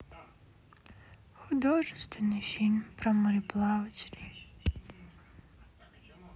художественные фильмы про мореплавателей